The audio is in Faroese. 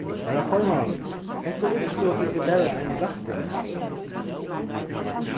harra formaður hetta uppskotið er bara ein rætting